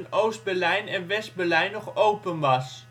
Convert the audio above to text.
Oost-Berlijn en West-Berlijn nog open was